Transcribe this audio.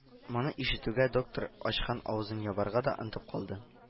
Моны ишетүгә доктор ачкан авызын ябарга да да онытып катып калды